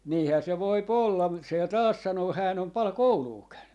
niinhän se voi olla mutta se taas sanoo hän on paljon koulua käynyt